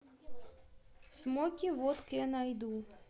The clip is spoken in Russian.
смоки вот кен ай ду